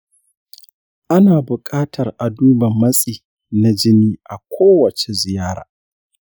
ana bukatar a duba matsi na jini a kowace ziyara.